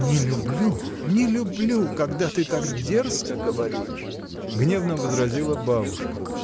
— Не люблю, не люблю, когда ты так дерзко говоришь! — гневно возразила бабушка.